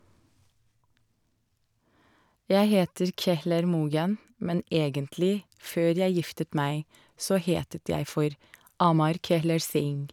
Jeg heter Kehler Moghen, men egentlig, før jeg giftet meg, så het jeg for Amar Kehler Singh.